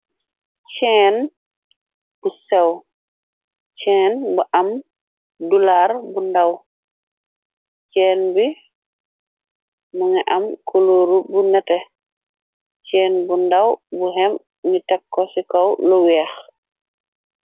Cèèn bu séw, cèèn bu am dular bu ndaw. Cèèn bi mugii am kulor bu netteh. Cèèn bu ndaw bu éém ñi tekkó ci kaw lu wèèx.